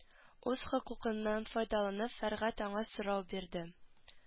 Үз хокукыннан файдаланып фәргать аңа сорау бирде